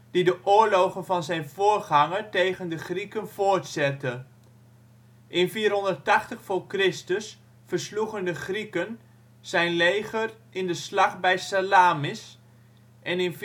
die de oorlogen van zijn voorganger tegen de Grieken voortzette; in 480 v.Chr. versloegen de Grieken zijn leger in de Slag bij Salamis, en in